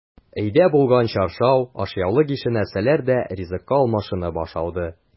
Өйдә булган чаршау, ашъяулык ише нәрсәләр дә ризыкка алмашынып ашалды.